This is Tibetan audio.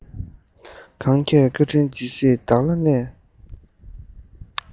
གང ཁྱེད བཀའ དྲིན ཇི སྲིད བདག བློར གནས